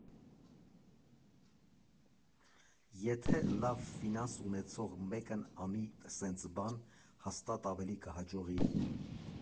Եթե լավ ֆինանս ունեցող մեկն անի սենց բան, հաստատ ավելի կհաջողի։